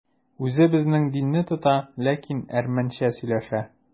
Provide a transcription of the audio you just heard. Үзе безнең динне тота, ләкин әрмәнчә сөйләшә.